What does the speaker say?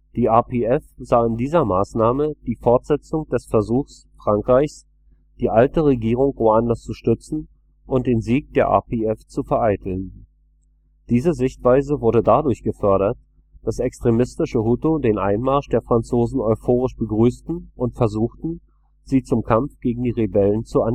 Die RPF sah in dieser Maßnahme die Fortsetzung des Versuchs Frankreichs, die alte Regierung Ruandas zu stützen und den Sieg der RPF zu vereiteln. Diese Sichtweise wurde dadurch gefördert, dass extremistische Hutu den Einmarsch der Franzosen euphorisch begrüßten und versuchten, sie zum Kampf gegen die Rebellen zu animieren